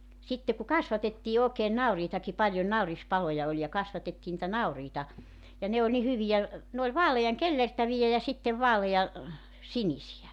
sitten kun kasvatettiin oikein nauriitakin paljon naurispaloja oli ja kasvatettiin niitä nauriita ja ne oli niin hyviä ne oli vaalean kellertäviä ja sitten vaalean sinisiä